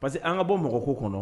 Pa que an ka bɔ mɔgɔ ko kɔnɔ